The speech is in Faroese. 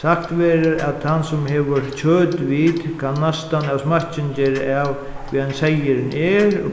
sagt verður at tann sum hevur kjøtvit kann næstan av smakkin gera av hvaðani seyðurin er og